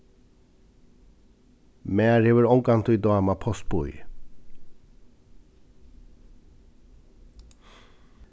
mær hevur ongantíð dámað postboðið